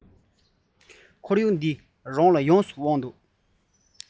ཁོར ཡུག འདི རང ལ ཡོངས སུ དབང འདུག ནའང